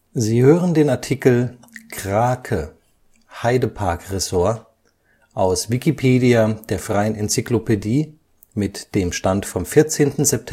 Sie hören den Artikel Krake (Heide Park Resort), aus Wikipedia, der freien Enzyklopädie. Mit dem Stand vom Der